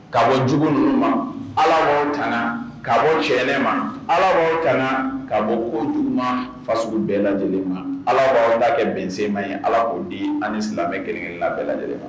Ka bɔ jugu nunnu ma Ala b'aw taŋa ka bɔ cɛɛnɛ ma Ala b'aw taŋa ka bɔ kojuguman fasugu bɛɛ lajɛlen ma Ala b'aw ta kɛ bɛnsema ye Ala k'o di an' nii silamɛ kelen-kelenna bɛɛ lajɛlen